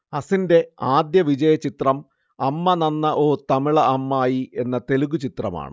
അസിൻറെ ആദ്യത്തെ വിജയചിത്രം അമ്മ നന്ന ഓ തമിള അമ്മായി എന്ന തെലുഗു ചിത്രമാണ്